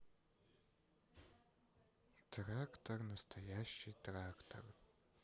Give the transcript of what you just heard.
трактор настоящий трактор